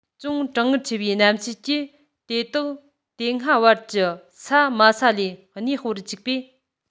ཅུང གྲང ངར ཆེ བའི གནམ གཤིས ཀྱིས དེ དག དེ སྔ བར གྱི ས དམའ ས ལས གནས སྤོ རུ བཅུག པས